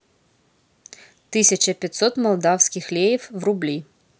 тысяча пятьсот молдавских леев в рубли